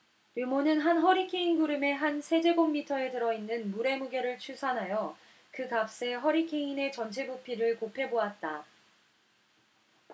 르몬은 한 허리케인 구름의 한 세제곱미터에 들어 있는 물의 무게를 추산하여 그 값에 허리케인의 전체 부피를 곱해 보았다